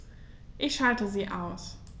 Ich schalte sie aus.